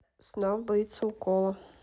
снаф боится укола